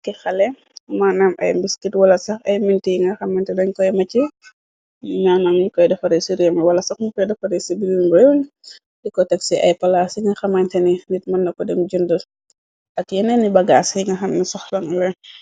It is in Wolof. Akk xale manam ay mbiskit wala sax ay minti yi nga xamante dañ koy mac ñanam ñikoy defaris ci réem. Wala sax nikoy defara ci bilin rol di ko texi. Ay pala ci nga xamante ni nit mënna ko dem jëndl. Ak yenen ni bagaasi nga xamni soxlanle.